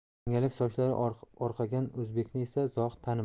jingalak sochlari oqargan o'zbekni esa zohid tanimadi